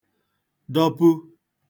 dọpu